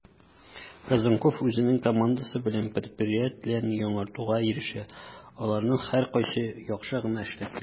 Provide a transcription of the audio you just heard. Козонков үзенең командасы белән предприятиеләрне яңартуга ирешә, аларның һәркайсы яхшы гына эшләп килә: